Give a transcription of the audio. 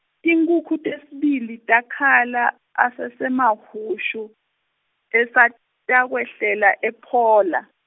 tinkhukhu tesibili takhala, asaseMahushu, asatakwehlela ePhola.